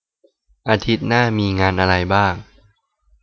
อาทิตย์หน้ามีงานอะไรบ้าง